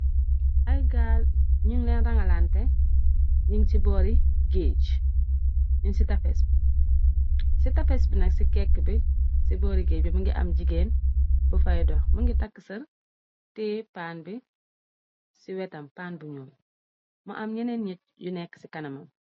Ay gaal ñuñ leen rangalante nung ci bori gaag nyun si tefes bi si tefes bi nak ci keki bi ci boori geeg bi mongi am jigeen bu fay dox mongi tàkka seer tiye pann bi ci wetam pann bu ñuul moo am yeneen ñit yu nekka ci kanama.